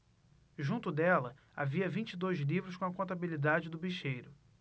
junto dela havia vinte e dois livros com a contabilidade do bicheiro